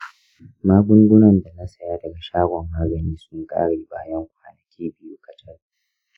magungunan da na saya daga shagon magani sun ƙare bayan kwanaki biyu kacal.